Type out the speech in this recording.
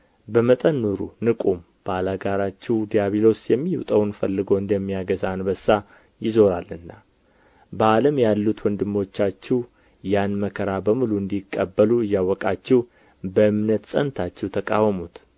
በመጠን ኑሩ ንቁም ባላጋራችሁ ዲያብሎስ የሚውጠውን ፈልጎ እንደሚያገሣ አንበሳ ይዞራልና በዓለም ያሉት ወንድሞቻችሁ ያን መከራ በሙሉ እንዲቀበሉ እያወቃችሁ በእምነት ጸንታችሁ ተቃወሙት